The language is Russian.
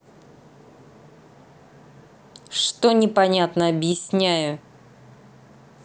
что непонятно объясняю